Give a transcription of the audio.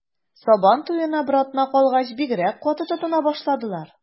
Сабан туена бер атна калгач, бигрәк каты тотына башладылар.